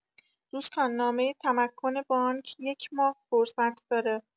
دوستان نامه تمکن بانک یک ماه فرصت داره.